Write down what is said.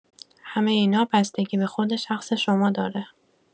همه اینا بستگی به خود شخص شما داره.